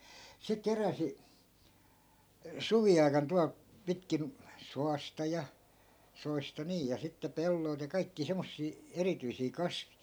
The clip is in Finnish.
se keräsi suviaikana tuolta pitkin suosta ja soista niin ja sitten pelloilta ja kaikkia semmoisia erityisiä kasveja